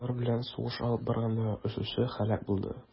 Террористлар белән сугыш алып барганда очучы һәлак булды.